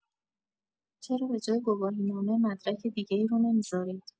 چرا به‌جای گواهینامه مدرک دیگه‌ای رو نمی‌زارید.